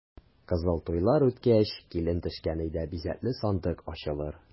Кызыл туйлар үткәч, килен төшкән өйдә бизәкле сандык ачылыр.